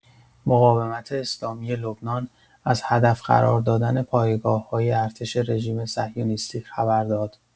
مقاومت اسلامی لبنان از هدف قرار دادن پایگاه‌های ارتش رژیم صهیونیستی خبر داد.